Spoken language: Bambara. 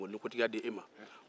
ala bɛ jɔnkolonin kotigiya di i ma